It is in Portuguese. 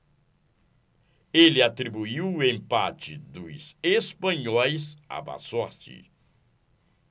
ele atribuiu o empate dos espanhóis à má sorte